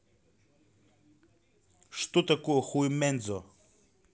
что такое хуе menzo